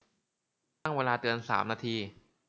ตั้งเวลาเตือนสามนาที